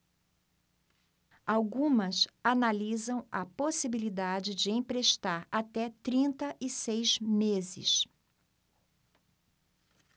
algumas analisam a possibilidade de emprestar até trinta e seis meses